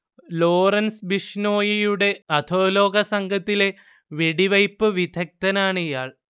Lawrence ബിഷ്നോയിയുടെ അധോലോക സംഘത്തിലെ വെടിവെയ്പ്പ് വിദഗ്ദ്ധനാണ് ഇയാൾ